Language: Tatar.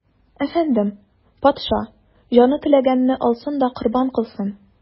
Әфәндем, патша, җаны теләгәнне алсын да корбан кылсын.